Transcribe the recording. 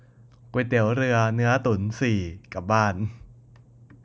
ก๋วยเตี๋ยวเรือเนื้อตุ๋นสี่กลับบ้าน